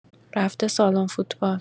رفته سالن فوتبال